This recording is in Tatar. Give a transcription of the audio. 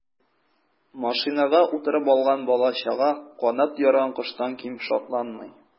Машинага утырып алган бала-чага канат ярган коштан ким шатланмый.